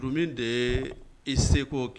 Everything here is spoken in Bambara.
Du min de i seko